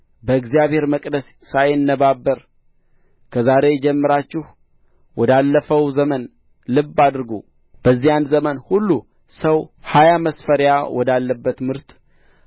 በእግዚአብሔር መቅደስ ሳይነባበር ከዛሬ ጀምራችሁ ወዳለፈው ዘመን ልብ አድርጉ በዚያን ዘመን ሁሉ ሰው ሀያ መስፈሪያ ወዳለበት ምርት